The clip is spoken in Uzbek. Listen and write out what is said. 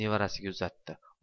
nevarasiga uzatdi